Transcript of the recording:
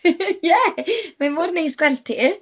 Ie, mae mor neis gweld ti.